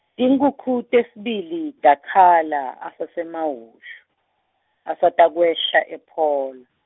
tinkhukhu tesibili takhala asaseMahushu, asatakwehlela ePhola.